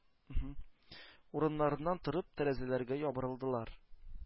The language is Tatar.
Урыннарыннан торып, тәрәзәләргә ябырылдылар.